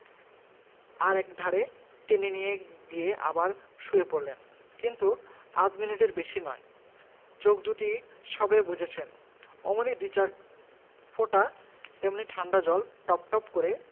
আর একধারে টেনে নিয়ে গিয়ে আবার শুয়ে পড়লেন কিন্তু আধ মিনিটের বেশি নয় চোখ দুটি সবে বুজেছেন অমনি দু চার ফোঁটা তেমনি ঠাণ্ডা জল টপটপ টপটপ করে